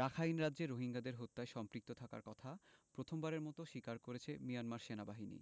Rakhine রাজ্যে রোহিঙ্গাদের হত্যায় সম্পৃক্ত থাকার কথা প্রথমবারের মতো স্বীকার করেছে মিয়ানমার সেনাবাহিনী